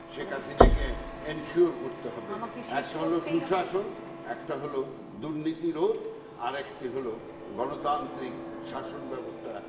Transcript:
শেখ হাসিনাকে এনসিওর করতে হবে আমাকে শেষ করতেই হবে একটা হল সুশাসন একটা হলো দুর্নীতি রোধ আরেকটা হলো গণতান্ত্রিক শাসনব্যবস্থা